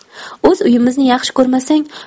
o'z uyimizni yaxshi ko'rmasang